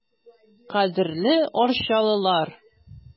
Кадерле арчалылар!